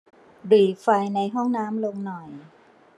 หรี่ไฟในห้องน้ำลงหน่อย